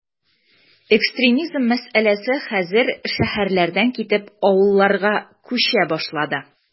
Экстремизм мәсьәләсе хәзер шәһәрләрдән китеп, авылларга “күчә” башлады.